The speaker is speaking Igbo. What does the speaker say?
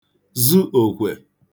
zụ òkwè